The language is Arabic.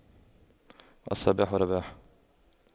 الصباح رباح